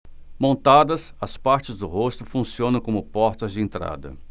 montadas as partes do rosto funcionam como portas de entrada